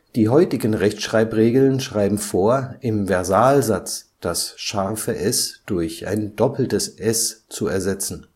Die heutigen Rechtschreibregeln schreiben vor, im Versalsatz das „ ß “durch „ SS “zu ersetzen